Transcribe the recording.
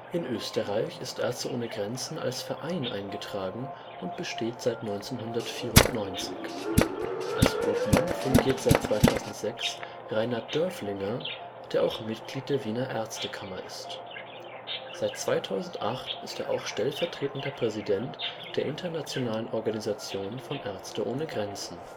In Österreich ist Ärzte ohne Grenzen als Verein eingetragen und besteht seit 1994. Als Obmann fungiert seit 2006 Reinhard Dörflinger, der auch Mitglied der Wiener Ärztekammer ist. Er ist auch seit 2008 ist er auch stellvertretender Präsident der internationalen Organisation von Ärzte ohne Grenzen